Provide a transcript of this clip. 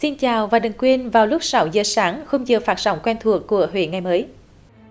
xin chào và đừng quên vào lúc sáu giờ sáng khung giờ phát sóng quen thuộc của huế ngày mới